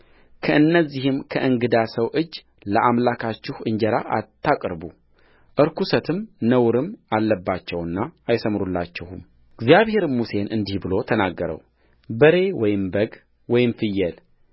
ከእነዚህም ከእንግዳ ሰው እጅ ለአምላካችሁ እንጀራ አታቅርቡ ርኵሰትም ነውርም አለባቸውና አይሠምሩላችሁምእግዚአብሔርም ሙሴን እንዲህ ብሎ ተናገረውበሬ ወይም በግ ወይም ፍየል